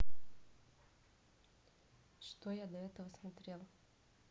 что я до этого смотрел